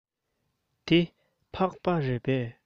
འདི ཕག པ རེད པས